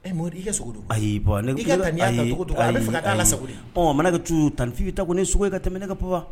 E m i ka sogo don ayi y'i bɔ ka' sago mana ka tu tan n f fi bɛ ta ko ne sogo i ka tɛmɛ ne ka baba wa